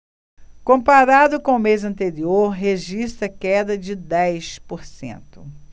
comparado com o mês anterior registra queda de dez por cento